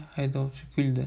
haydovchi kuldi